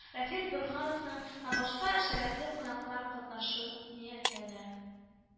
Рафис Борһановның һәм башка шәрәфле кунакларны катнашуы ниятләнә